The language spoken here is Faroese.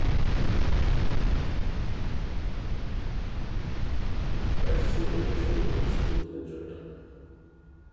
bert suðuroyingar sjálvir ynskja tunnilin gjørdan